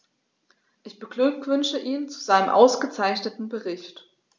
Ich beglückwünsche ihn zu seinem ausgezeichneten Bericht.